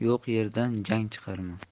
yo'q yerdan jang chiqarma